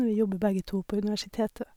Vi jobber begge to på universitetet.